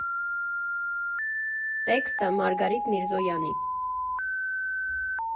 Տեքստը՝ Մարգարիտ Միրզոյանի։